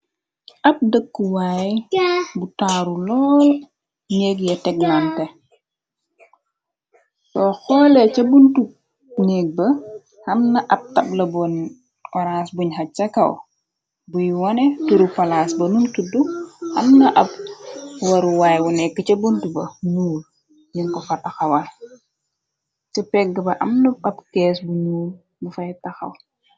At dëkku waay bu taaru lool ñegg ya teglante so xoole ca buntu negg ba amna ab tabla boon orang buñ xaj ca kaw buy wone turu palaas ba num tudd am na ab waruwaayu nekk ca bunta ba nyuul nyir ko fataxawal ca pegg ba amna b ab kees bu nyuul bu fay taxaw.